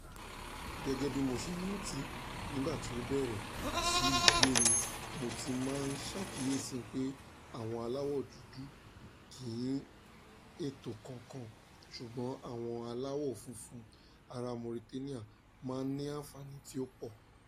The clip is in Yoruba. Gẹ́gẹ́ bí mo ṣe rántí, nígbà tí ó bẹ̀rẹ̀ sí í yé mi, mo ti máa ń ṣàkíyèsí pé àwọn aláwọ̀ dúdú kì í ní ẹ̀tọ́ kankan, ṣùgbọ́n àwọn aláwọ̀ funfun ará Mauritania máa ń ní àǹfààní tí ó pọ̀.